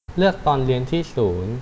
เลือกตอนเรียนที่ศูนย์